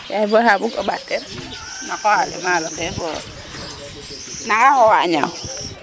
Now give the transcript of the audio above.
yaay boy xar bug o ɓaat teen na qooq ale maalo fe fo nanga xooxaa a ñaaw.